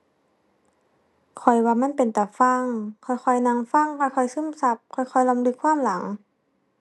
ข้อยว่ามันเป็นตาฟัง ค่อยค่อยนั่งฟัง ค่อยค่อยซึมซับ ค่อยค่อยรำลึกความหลัง